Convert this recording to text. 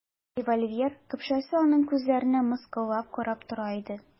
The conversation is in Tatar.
Револьвер көпшәсе аның күзләренә мыскыллап карап тора иде.